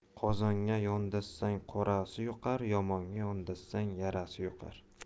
qozonga yondashsang qorasi yuqar yomonga yondashsang yarasi yuqar